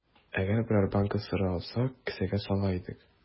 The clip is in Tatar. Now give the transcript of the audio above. Әгәр берәр банка сыра алсак, кесәгә сала идек.